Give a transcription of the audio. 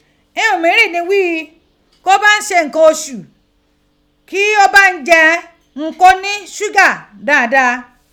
Ohun miirin ni ghii ko ba n ṣe nnkan oṣu, ki o ba jẹ ihun ko ni ṣuga daadaa.